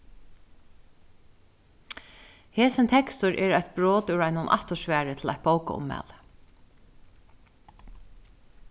hesin tekstur er eitt brot úr einum aftursvari til eitt bókaummæli